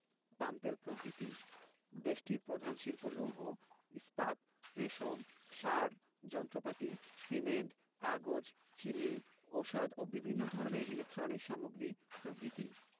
পামতেল প্রভৃতি দেশটির প্রধান শিল্প লৌহ ইস্পাত রেশম সার যন্ত্রপাতি সিমেন্ট কাগজ চিনি ঔষধ ও বিভিন্ন ধরনের ইলেকট্রনিক্স সামগ্রী প্রভ্রিতি